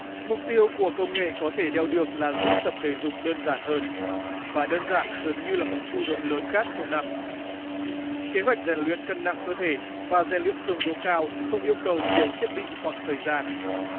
mục tiêu của công nghệ có thể đeo được là giúp tập thể dục đơn giản hơn và đơn giản dường như là một xu hướng lớn khác trong năm kế hoạch rèn luyện cân nặng cơ thể và rèn luyện cường độ cao không yêu cầu nhiều thiết bị hoặc thời gian